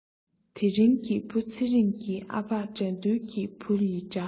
ད ཐེངས ཀྱི བུ ཚེ རིང གི ཨ ཕ དགྲ འདུལ གྱི བུ ཡི འདྲ